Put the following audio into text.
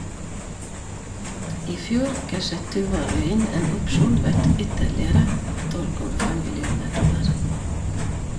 I fjor cashet Tuvalu inn en opsjon verdt ytterligere 12,5 millioner dollar.